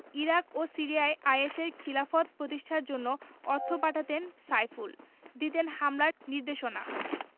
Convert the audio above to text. Iraq ও সিরিয়ায় আইএসের খিলাফত প্রতিষ্ঠার জন্য অর্থ পাঠাতেন সাইফুল দিতেন হামলার নির্দেশনা